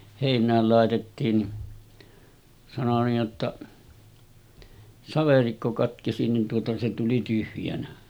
heinään laitettiin niin sanoi niin jotta saverikko katkesi niin tuota se tuli tyhjänä